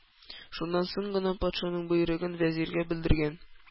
Шуннан соң гына патшаның боерыгын вәзиргә белдергән.